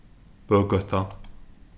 bøgøta